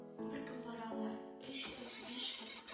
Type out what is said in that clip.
Бер көн баралар, өч көн, биш көн